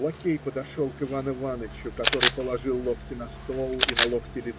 Лакей подошел к Ивану Иванычу, который положил локти на стол и на локти